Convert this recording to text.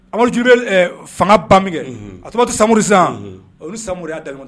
Amaduj fanga ban min kɛ ato tɛ samururi zan o ni samori da